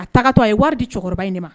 A tagatɔ a ye wari di cɛkɔrɔba in de ma.